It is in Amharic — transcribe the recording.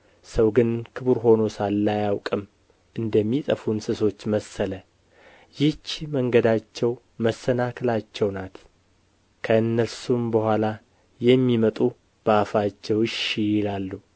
ሰው ግን ክቡር ሆኖ ሳለ አያውቅም እንደሚጠፉ እንስሶች መሰለ ይህች መንገዳቸው መሰናክላቸው ናት ከእነርሱም በኋላ የሚመጡ በአፋቸው እሺ ይላሉ